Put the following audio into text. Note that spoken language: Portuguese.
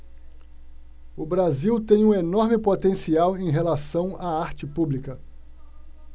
o brasil tem um enorme potencial em relação à arte pública